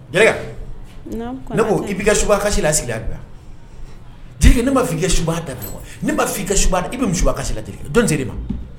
Jelikɛ ne i bɛ ka suba kasisi la sigi a jelikɛ ne b'a fɔ i ka suba da n' i ka i bɛ misiba ka sigi ka don de ma